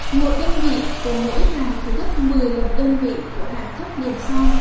một đơn vị của mỗi hàng thì gấp lần đơn vị của hành thấp liền sau